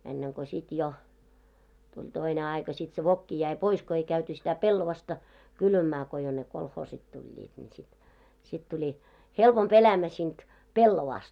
ennen kuin sitten jo tuli toinen aika sitten se vokki jäi pois kun ei käyty sitä pellavaa kylvämään kun jo ne kolhoosit tulivat niin sitten sitten tuli helpompi elämä siitä pellavasta